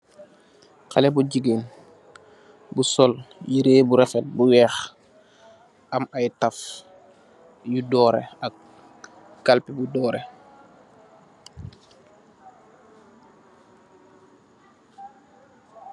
Xalebu jigéen, bu sol yere bu rafet, bu weex. Am ay taf yu doore ak ap kalpe bu dóre.